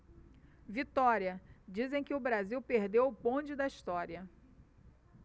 vitória dizem que o brasil perdeu o bonde da história